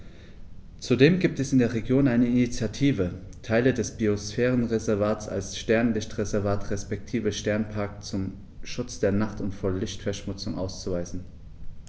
Zudem gibt es in der Region eine Initiative, Teile des Biosphärenreservats als Sternenlicht-Reservat respektive Sternenpark zum Schutz der Nacht und vor Lichtverschmutzung auszuweisen.